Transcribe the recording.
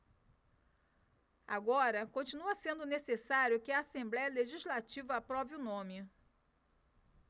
agora continua sendo necessário que a assembléia legislativa aprove o nome